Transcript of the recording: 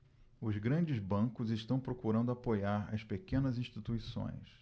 os grandes bancos estão procurando apoiar as pequenas instituições